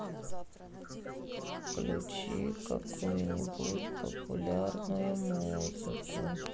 включи какую нибудь популярную музыку